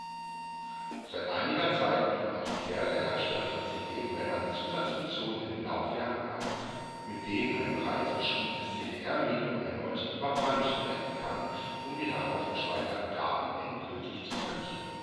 einiger Zeit bieten auch diverse Hersteller von CD-Brennern Zusatzfunktionen in den Laufwerken an, mit denen ein bereits beschriebenes CD-R-Medium erneut " überbrannt " werden kann, um die darauf gespeicherten Daten endgültig zu vernichten